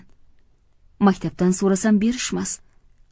maktabdan so'rasam berishmas